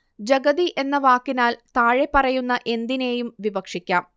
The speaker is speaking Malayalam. ജഗതി എന്ന വാക്കിനാൽ താഴെപ്പറയുന്ന എന്തിനേയും വിവക്ഷിക്കാം